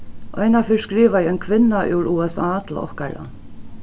einaferð skrivaði ein kvinna úr usa til okkara